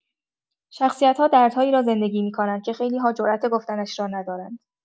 شخصیت‌ها دردهایی را زندگی می‌کنند که خیلی‌ها جرئت گفتنش را ندارند.